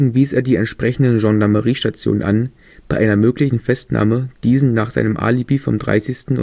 wies er die entsprechenden Gendarmeriestationen an, bei einer möglichen Festnahme diesen nach seinem Alibi vom 30.